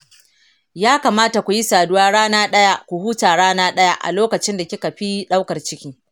ya kamata kuyi saduwa rana daya, ku huta rana ɗaya a lokacin da kika fi daukar ciki.